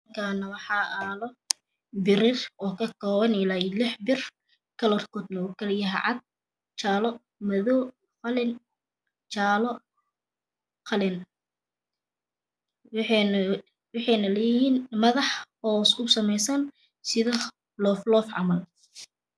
Halkan waxaa yalo laxbir kalar kodena waa cadan madow iyo jale qalin waxeyn leyiy madax oo usameysan love ❤️